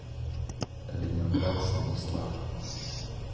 ленинград станислав